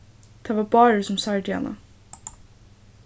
tað var bárður sum særdi hana